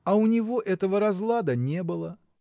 А у него этого разлада не было.